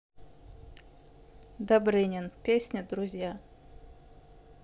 добрынин песня друзья